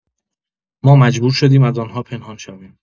ما مجبور شدیم از آن‌ها پنهان شویم.